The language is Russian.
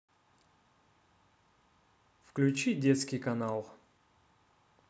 включи детский канал